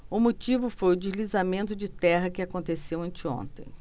o motivo foi o deslizamento de terra que aconteceu anteontem